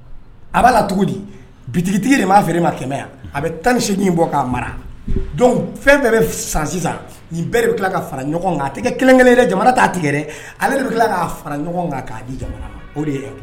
A b'a la di bitigitigi de'a fɛ ma kɛmɛ yan a bɛ tan ninin bɔ k'a mara fɛn bɛ sisan bɛɛ de bɛ tila fara ɲɔgɔn kan a kelen kelen jamana t'a tigɛ dɛ ale de bɛ tila k' fara ɲɔgɔn kan k' di de